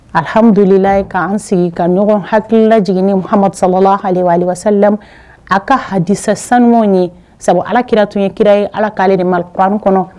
Alihamdulila k'an sigi ka ɲɔgɔn hala lajɛlen nisalamu a ka hadisa sanu ye sabu ala kira tun ye kira ye ala k'ale de mariri an kɔnɔ